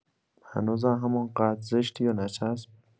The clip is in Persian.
هنوزم همون قدر زشتی و نچسب.